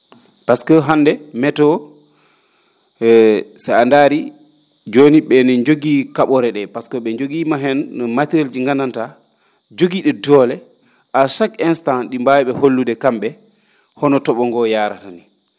pasque hannde météo so a ndaarii jooni ?eenin njogii ka?ore ?ee pasque ?e njogiima heen no matériel ji ?i nganndantaa jogii?i doole à chaque instant ?i mbaawi ?e hollude kam?e hono to?o ngoo yarara ni